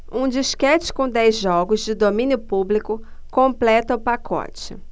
um disquete com dez jogos de domínio público completa o pacote